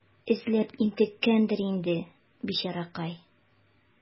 Эзләп интеккәндер инде, бичаракай.